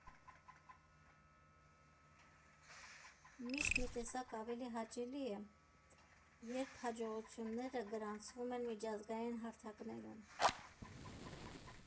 Միշտ մի տեսակ ավելի հաճելի է, երբ հաջողությունները գրանցվում են միջազգային հարթակներում։